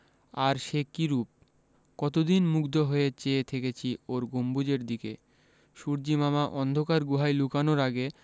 আর সে কি রুপ কতদিন মুগ্ধ হয়ে চেয়ে থেকেছি ওর গম্বুজের দিকে সূর্য্যিমামা অন্ধকার গুহায় লুকানোর আগে